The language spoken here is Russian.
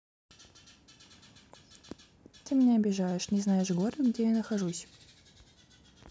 ты меня обижаешь не знаешь город где я нахожусь